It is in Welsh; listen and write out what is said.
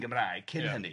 cyn hynny.